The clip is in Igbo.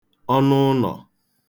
ọnụụnọ̀